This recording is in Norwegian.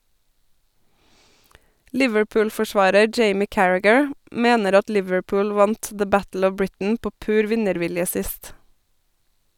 Liverpool-forsvarer Jamie Carragher mener at Liverpool vant «The Battle of Britain» på pur vinnervilje sist.